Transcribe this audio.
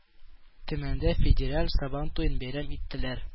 Төмәндә федераль Сабантуен бәйрәм иттеләр